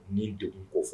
N'i du kɔ